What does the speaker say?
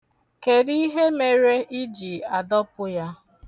Kedu ihe mere ị jị adọpụ ya?